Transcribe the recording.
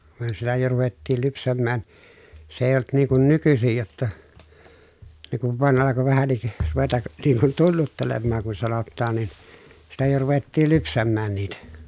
me siellä jo ruvettiin lypsämään se ei ollut niin kuin nykyisin jotta ne kun vain alkoi vähänkin ruveta niin kuin tunnuttelemaan kun sanotaan niin sitä jo ruvettiin lypsämään niitä